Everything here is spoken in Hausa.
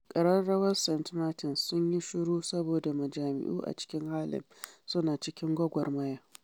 Ƙararrawar St. Martin's Sun yi Shiru Saboda Majami’u a cikin Harlem suna cikin Gwargwarmaya